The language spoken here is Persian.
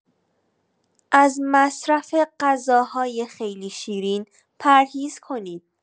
از مصرف غذاهای خیلی شیرین پرهیز کنید.